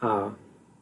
a